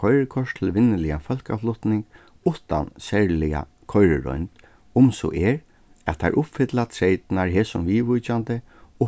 koyrikort til vinnuligan fólkaflutning uttan serliga koyriroynd um so er at tær uppfylla treytirnar hesum viðvíkjandi